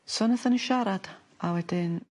So nethon ni siarad a wedyn